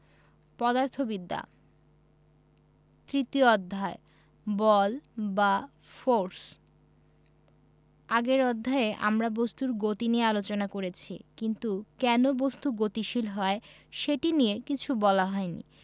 পদার্থবিদ্যা তৃতীয় অধ্যায় বল বা ফোরস আগের অধ্যায়ে আমরা বস্তুর গতি নিয়ে আলোচনা করেছি কিন্তু কেন বস্তু গতিশীল হয় সেটি নিয়ে কিছু বলা হয়নি